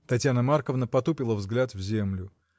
Татьяна Марковна потупила взгляд в землю